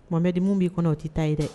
Mɔmɛ di minnu b'i kɔnɔ o t tɛi taa ye dɛ